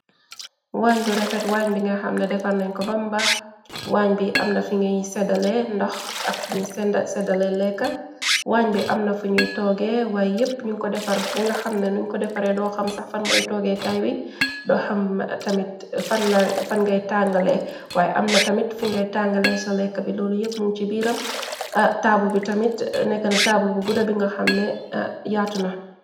Waañ bu refet, waañ bi nga xamne defar nañ ko bambaax, waañ bi amna fi ngay seddale ndox ak fuñuy seddale lekka, waañ bi amna fuñuy tooge, waaye yépp nyu ko defar ba nga xam na nuñ ko defare do xam sax fan moy toogekaay bi, do xam tamit fan ngay tàngale, waaye am na tamit fi ngay tàngalee sa lekka bi, loolu yépp mun ci biiram, taabul bi tamit nekk na taabul bu gudda bi nga xamne yaatuna.